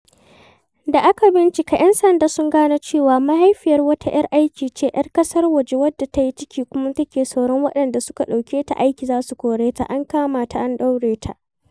Da aka bincika, 'yan sanda sun gano cewa mahaifiyar wata 'yar aiki ce 'yar ƙasar waje wadda ta yi ciki kuma take tsoron waɗanda suka ɗauke ta aiki za su kore ta. An kama matar an ɗaure ta.